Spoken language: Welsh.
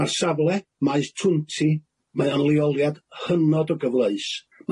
Mae'r safle maes Twnti, mae o'n leoliad hynod o gyfleus,